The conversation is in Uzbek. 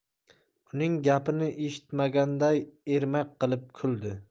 uning gapini eshitmaganday ermak qilib kuldi